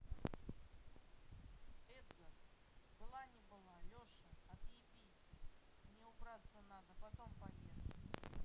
эдгар была не была леша отъебись мне убраться надо потом поешь